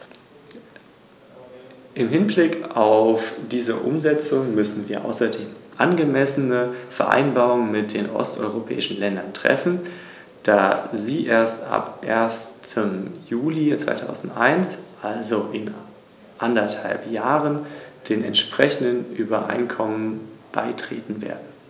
Die Einführung eines relativ einfachen, einheitlichen und - auch wenn dies der Streitpunkt ist - auf drei Sprachen basierenden Systems, wenngleich über eine oder mehrere Sprachen diskutiert worden ist, die in die Muttersprache des Antragstellers übersetzt werden würden, stellt einen wichtigen Schritt dar.